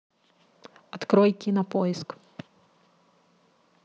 открой кинопоиск